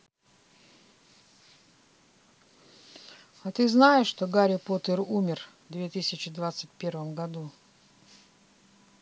а ты знаешь что гарри поттер умер две тысячи двадцать первом году